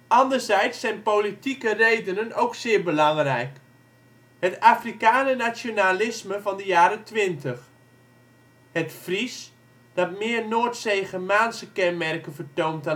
Anderzijds zijn politieke redenen ook zeer belangrijk (het Afrikaner-nationalisme van de jaren twintig). Het Fries, dat meer Noordzeegermaanse kenmerken vertoont